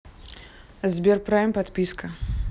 сберпрайм подписка